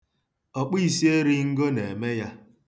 Ọkpụisieringo na-eme ya.